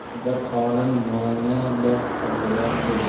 bir qorin moyni bir qumaloq buzar